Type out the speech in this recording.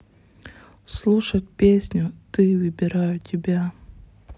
слушать песню ты выбираю тебя